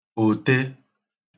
òte